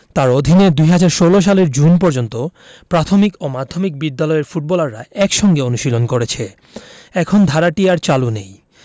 তাঁর অধীনে ২০১৬ সালের জুন পর্যন্ত প্রাথমিক ও মাধ্যমিক বিদ্যালয়ের ফুটবলাররা একসঙ্গে অনুশীলন করেছে এখন ধারাটি আর চালু নেই